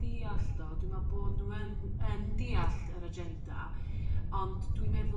deallt o dwi me'wl bod nw yn yn deallt yr agenda ond dwi' meddwl